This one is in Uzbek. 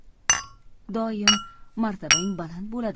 doim martabang baland bo'ladi